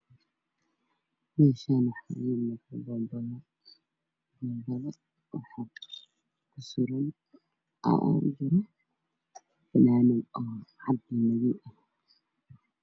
Meeshaan waxaa yaalo boonbalo waxaa kujiro fanaanad cadaan iyo madow ah.